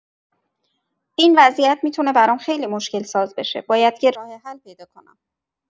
این وضعیت می‌تونه برام خیلی مشکل‌ساز بشه، باید یه راه‌حل پیدا کنم.